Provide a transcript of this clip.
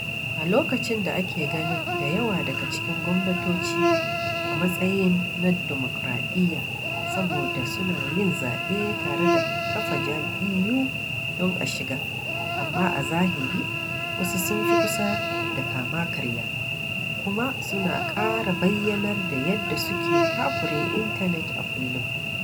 A lokacin da ake ganin da yawa daga cikin gwamnatoci a matsayin na dimukuraɗiyya saboda suna yin zaɓe tare da kafa jam'iyyu don a shiga, amma a zahiri, wasu sun fi kusa da kama-karya - kuma suna ƙara bayyanar da yadda suke takure intanet a kullum.